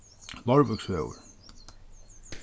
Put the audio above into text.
leirvíksvegur